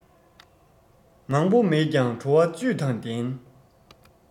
མང པོ མེད ཀྱང བྲོ བ བཅུད དང ལྡན